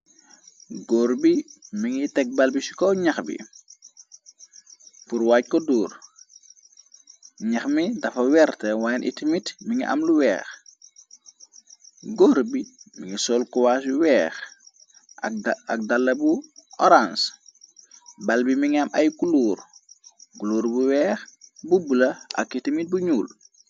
Gr bi mi ngi teg balbi chikow ñax bi purwhaaj ko dour ñax mi dafa werte wyene itimit mi ngi am lu weex gór bi mi ngi sol kowaa yu weex ak dàla bu horange bal bi mi ngi am ay kuluur kuluor bu weex bu bula ak itimit bu ñuul.